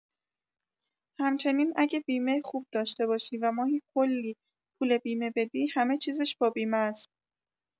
همچنین اگه بیمه خوب داشته باشی و ماهی کلی پول بیمه بدی، همه چیزش با بیمه است.